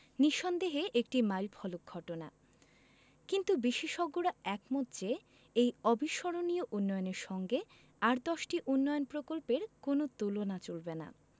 নিঃসন্দেহে একটি মাইলফলক ঘটনা কিন্তু বিশেষজ্ঞরা একমত যে এই অবিস্মরণীয় উন্নয়নের সঙ্গে আর দশটি উন্নয়ন প্রকল্পের কোনো তুলনা চলবে না